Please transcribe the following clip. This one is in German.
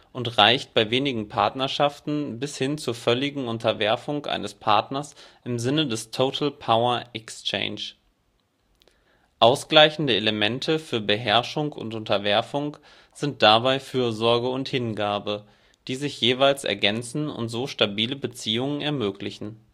und reicht bei wenigen Partnerschaften bis hin zur völligen Unterwerfung eines Partners im Sinne des Total Power Exchange. Ausgleichende Elemente für Beherrschung und Unterwerfung sind dabei Fürsorge und Hingabe, die sich jeweils ergänzen und so stabile Beziehungen ermöglichen